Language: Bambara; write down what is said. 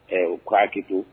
U k' tɛ to